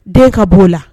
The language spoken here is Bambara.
Den ka'o la